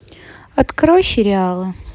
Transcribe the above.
открой сериалы